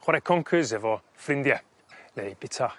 chware concyrs efo ffrindie neu bita